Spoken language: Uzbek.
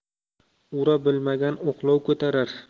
ura bilmagan o'qlov ko'tarar